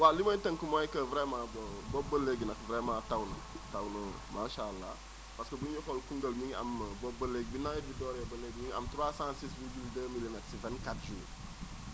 waaw li may tënk mooy que vraiment bon boobu ba léegi nag vraiment taw na taw na macha allah parce que bu ñuy xool Koungheul mi ngi am boobu ba léegi bi nawet bi dooree ba léegi mi ngi am 306 virgule 2 milimètres si 24 jours